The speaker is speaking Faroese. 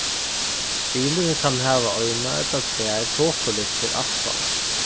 bilurin kann hava eina ella tvær tokulyktir aftan